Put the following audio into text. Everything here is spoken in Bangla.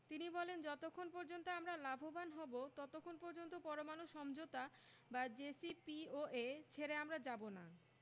তিনি বলেন যতক্ষণ পর্যন্ত আমরা লাভবান হব ততক্ষণ পর্যন্ত পরমাণু সমঝোতা বা জেসিপিওএ ছেড়ে আমরা যাব না